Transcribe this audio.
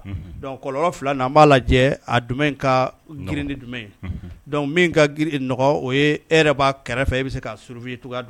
B'a grin jumɛn o e yɛrɛ b' kɛrɛfɛ i bɛ se ka sfin